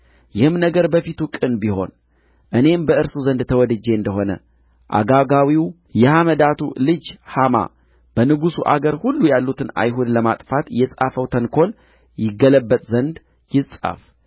ይህም ነገር በፊቱ ቅን ቢሆን እኔም በእርሱ ዘንድ ተወድጄ እንደ ሆነ አጋጋዊው የሐመዳቱ ልጅ ሐማ በንጉሡ አገር ሁሉ ያሉትን አይሁድ ለማጥፋት የጻፈው ተንኰል ይገለበጥ ዘንድ ይጻፍ